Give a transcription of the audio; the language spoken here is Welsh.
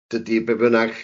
Dydi be' bynnag?